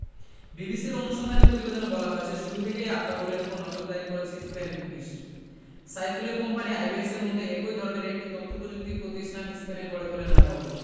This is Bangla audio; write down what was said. বিবিসির অনুসন্ধানী প্রতিবেদনে বলা হয়েছে শুরু থেকেই আতাউলের ওপর নজরদারি করেছে স্পেনের পুলিশ সাইফুলের কোম্পানি আইব্যাকসের মতো একই ধরনের একটি তথ্যপ্রযুক্তি প্রতিষ্ঠান স্পেনে গড়ে তোলেন আতাউল